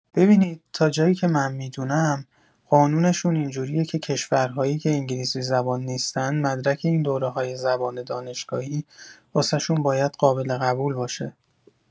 ببینید تا جایی که من می‌دونم قانونشون اینجوریه که کشورهایی که انگلیسی‌زبان نیستن مدرک این دوره‌های زبان دانشگاهی واسشون باید قابل‌قبول باشه